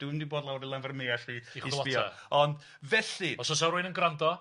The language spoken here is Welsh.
dwi'm di bod lawr i Lanfair yn Muallt i i on' felly... Os o's 'na rywun yn grando